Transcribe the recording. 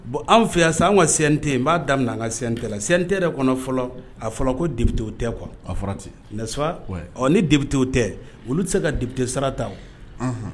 Bon an fɛ sisan an kate n b'a daminɛ an ka sɛte de kɔnɔ fɔlɔ a fɔra ko debiteo tɛ kuwa a fɔra ten ni debiteo tɛ olu tɛ se kabite sarata